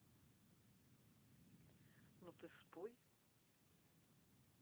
ну ты спой